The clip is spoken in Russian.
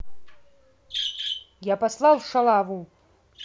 я послал шалаву